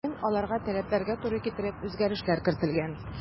Бүген аларга таләпләргә туры китереп үзгәрешләр кертелгән.